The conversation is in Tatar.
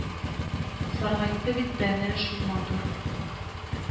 Саргайтты бит бәне шул матур